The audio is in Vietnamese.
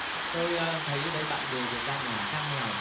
tôi thấy ở đây bạn đề biệt danh là trang mèo